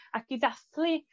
Ac i ddathlu